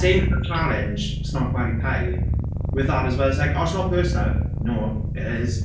Same challenge snog marry pie. With that as well it's like "oh it's not personal". No it is.